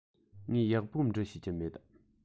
ངས ཡག པོ འབྲི ཤེས ཀྱི མེད